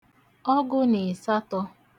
ọgụ̄ nà ị̀satọ̄